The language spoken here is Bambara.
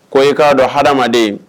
Ko i k'a dɔn hadamadamaden